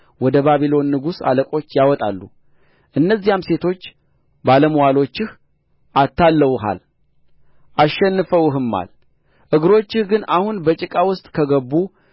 ወደ ባቢሎን ንጉሥ አለቆች ያወጣሉ እነዚያም ሴቶች ባለምዋሎችህ አታልለውሃል አሸንፈውህማል እግሮችህ ግን አሁን በጭቃ ውስጥ ከገቡ